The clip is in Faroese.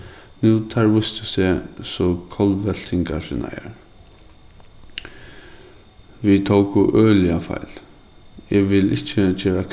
nú teir vístu seg so kollveltingarsinnaðar vit tóku øgiliga feil eg vil ikki gera